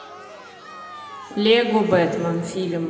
лего бэтман фильм